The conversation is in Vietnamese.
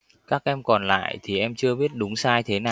các em còn lại thì em chưa biết đúng sai thế nào